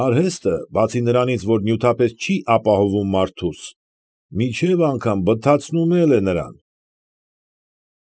Արհեստը, բացի նրանից, որ նյութապես չի ապահովում մարդուս, մինչև անգամ բթացնում էլ է նրան։